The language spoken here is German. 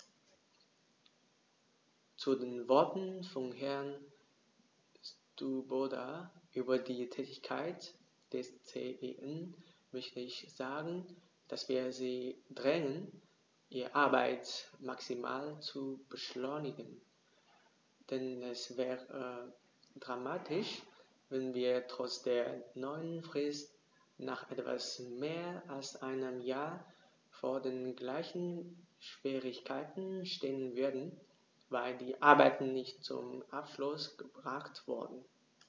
Zu den Worten von Herrn Swoboda über die Tätigkeit des CEN möchte ich sagen, dass wir sie drängen, ihre Arbeit maximal zu beschleunigen, denn es wäre dramatisch, wenn wir trotz der neuen Frist nach etwas mehr als einem Jahr vor den gleichen Schwierigkeiten stehen würden, weil die Arbeiten nicht zum Abschluss gebracht wurden.